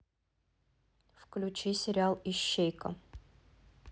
включи сериал ищейка